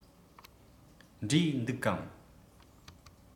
འབྲས འདུག གམ